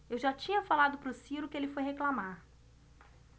eu já tinha falado pro ciro que ele foi reclamar